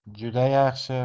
juda yaxshi